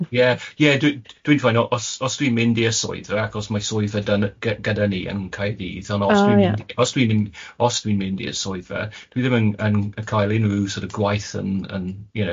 Ie ie dwi dwi'n ffeino os os dwi'n mynd i'r swyddfa ac os mae swyddfa dyna gy- gyda ni yn Caerdydd... Oh ia. ...ond os dwi'n mynd i os dwi'n mynd os dwi'n mynd i'r swyddfa dwi ddim yn yn cael unryw sort of gwaith yn yn you know